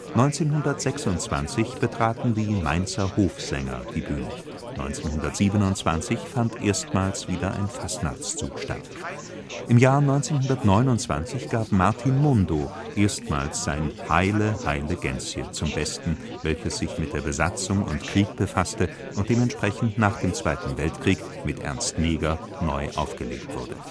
1926 betraten die „ Mainzer Hofsänger “die Bühne, 1927 fand erstmal wieder ein Fastnachtszug statt. Im Jahr 1929 gab Martin Mundo erstmals sein Heile, heile Gänsje zum besten, welches sich mit Besatzung und Krieg befasste und dementsprechend nach dem Zweiten Weltkrieg mit Ernst Neger neu aufgelegt wurde